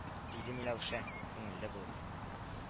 — диде миләүшә, күңеле булып